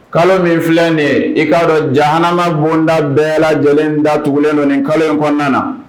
Kalo min filɛ de ye i k'a dɔn jan an ma bonda bɛɛ lajɛlen da tugulendon kalo in kɔnɔna na